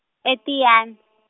e Tiyani .